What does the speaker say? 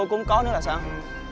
không có nữa là sao